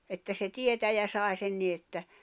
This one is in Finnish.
että se tietäjä sai sen niin että